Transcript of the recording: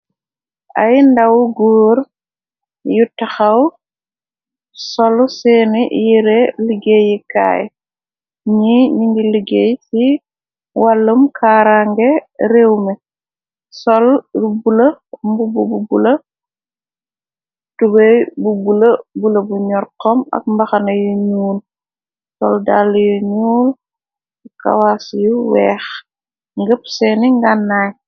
Ay ndawu góore yu taxaw solu seeni yire liggéeyi kaay ñi ningi liggéey ci wàllum kaarange réew me sol lu bula mubu bu bula tubaye bu bula bula bu ñorxom ak mbaxana yu ñuul sol dalle yu ñuul kawas yu weex ngëpp seeni ngannaañ.